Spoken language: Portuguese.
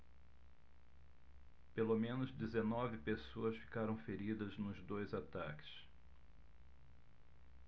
pelo menos dezenove pessoas ficaram feridas nos dois ataques